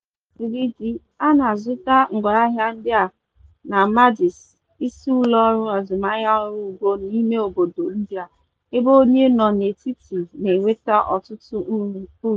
Ka o kwesịrị ịdị, a na-azụta ngwaahịa ndị a na "mandis" (isi ụlọọrụ azụmahịa ọrụ ugbo n'ime obodo India), ebe onye nọ n'etiti na-enweta ọtụtụ uru.